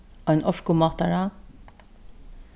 ein orkumátara